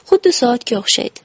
xuddi soatga o'xshaydi